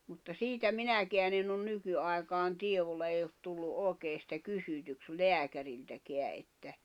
mutta siitä minäkään en ole nykyaikaan tiedolla ei ole tullut oikein sitä kysytyksi lääkäriltäkään että